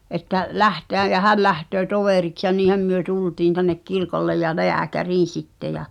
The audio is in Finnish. että lähteä ja hän lähtee toveriksi ja niinhän me tultiin tänne kirkolle ja lääkäriin sitten ja